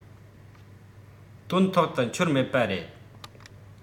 དོན ཐོག ཏུ འཁྱོལ མེད པ རེད